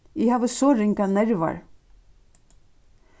eg havi so ringar nervar